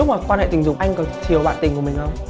lúc mà quan hệ tình dục anh có chiều bạn tình của mình không